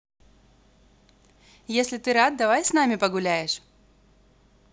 если ты рад давай ты с нами погуляешь